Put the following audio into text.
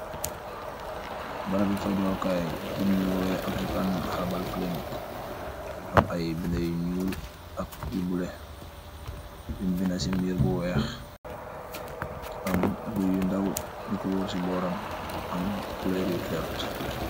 Barabu faajor kaii bu njui woryeh african herbal clinic, amm aiiy binda yu njull ak yu bleu yungh binda cii mirr bu wekh am guiiy yu ndaw yukor worre ci bohram, am couleur yu verte.